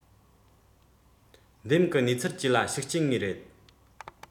འདེམས གི གནས ཚུལ བཅས ལ ཤུགས རྐྱེན ངེས རེད